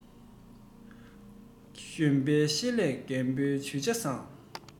གཞོན པའི ཤེད ལས རྒད པོའི ཇུས བྱ བཟང